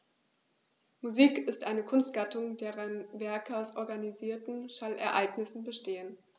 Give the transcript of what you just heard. Musik ist eine Kunstgattung, deren Werke aus organisierten Schallereignissen bestehen.